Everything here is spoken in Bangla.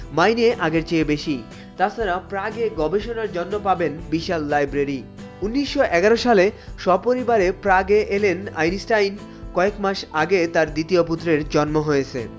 মাইনে আগের চেয়ে বেশি তাছাড়া প্রায় আগে গবেষণার জন্য পাবেন বিশাল লাইব্রেরি বিশ্ব ১৯১১ সালে সপরিবারে প্রাগে এলেন আইনস্টাইন কয়েক মাস আগে তার দ্বিতীয় পুত্রের জন্ম হয়েছে